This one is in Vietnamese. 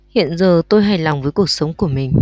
hiện giờ tôi hài lòng với cuộc sống của mình